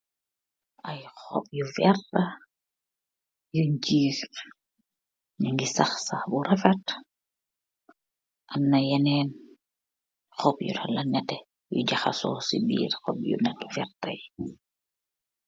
aii xoom yu werrtax denn geex mukeex saah saah yu refet emna yexnen xoom yu haawax netax yu jaxaso si birr xoom yu werrtax yex